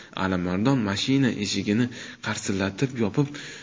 alimardon mashina eshigini qarsillatib yopib